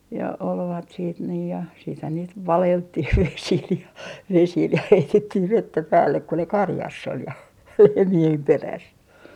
ja olivat sitten niin ja sittenhän niitä valeltiin vesillä ja vesillä ja heitettiin vettä päälle kun ne karjassa oli ja lehmien perässä